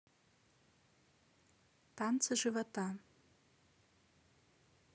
танцы живота